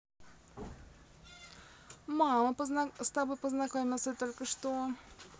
мама с тобой познакомился только что